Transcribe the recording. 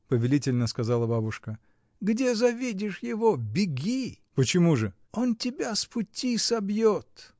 — повелительно сказала бабушка. — Где завидишь его, беги! — Почему же? — Он тебя с пути собьет!